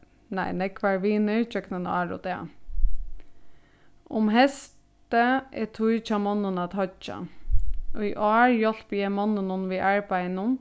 nei nógvar vinir gjøgnum ár og dag um heystið er tíð hjá monnum at hoyggja í ár hjálpi eg monnunum við arbeiðinum